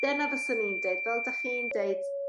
dyna fyswn i'n deud fel 'dach chi'n deud